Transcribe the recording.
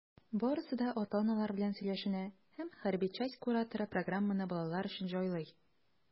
Барысы да ата-аналар белән сөйләшенә, һәм хәрби часть кураторы программаны балалар өчен җайлый.